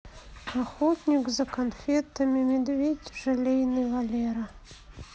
охотник за конфетами медведь желейный валера